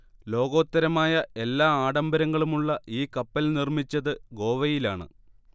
ലോകോത്തരമായ എല്ലാ ആഡംബരങ്ങളുമുള്ള ഈ കപ്പൽ നിർമ്മിച്ചത് ഗോവയിലാണ്